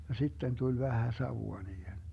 ja sitten tuli vähän savua niihin